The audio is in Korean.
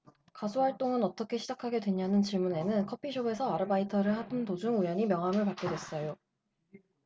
가수 활동은 어떻게 시작하게 됐냐는 질문에는 커피숍에서 아르바이트를 하던 도중 우연히 명함을 받게 됐어요